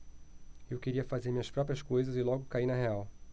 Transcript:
eu queria fazer minhas próprias coisas e logo caí na real